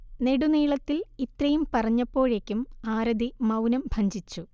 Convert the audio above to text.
നെടുനീളത്തിൽ ഇത്രയും പറഞ്ഞപ്പോഴേക്കും ആരതി മൗനം ഭഞ്ജിച്ചു